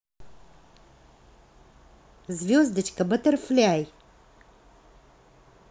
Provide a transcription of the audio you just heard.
звездочка баттерфляй